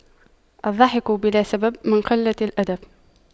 الضحك بلا سبب من قلة الأدب